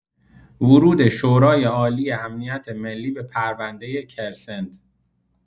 ورود شورای‌عالی امنیت ملی به پرونده کرسنت